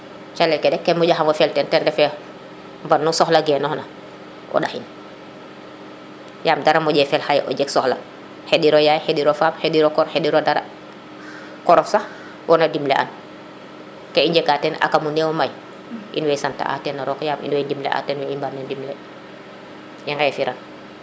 calel ke xa moƴo xamo fel teen ten refe mbanu soxla genoox na o ndaxin yam dara moƴe fel xaye o jeg soxla xaɗiro yaay xaɗiro faap xaɗiro kor xaɗiro dara korof sax wona dimle an ke i njega ten aka mu newo may in woy sante a tena rog yaam in mboy ndimm le a teen we i mbarna ndimle i ŋefe dara